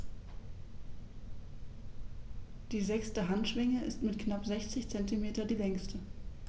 Die sechste Handschwinge ist mit knapp 60 cm die längste.